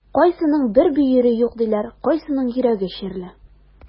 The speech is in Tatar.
Кайсының бер бөере юк диләр, кайсының йөрәге чирле.